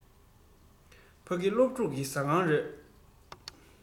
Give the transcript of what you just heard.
ཕ གི སློབ ཕྲུག གི ཟ ཁང རེད